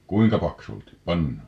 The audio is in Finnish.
kuinka paksulti pannaan